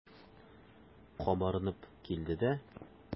Кабарынып килде дә.